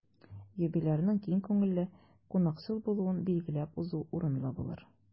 Юбилярның киң күңелле, кунакчыл булуын билгеләп узу урынлы булыр.